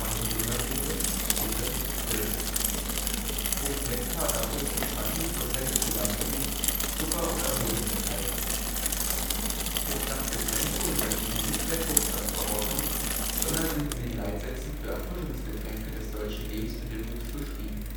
Holunderbeere, Quitte, Pfirsich). Fruchtnektar darf bis zu 20 % des Gesamtgewichts Zucker oder Honig enthalten. Fruchtsaftgetränke unterliegen nicht der Fruchtsaftverordnung, sondern sind in den Leitsätzen für Erfrischungsgetränke des deutschen Lebensmittelbuchs beschrieben